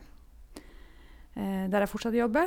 Der jeg fortsatt jobber.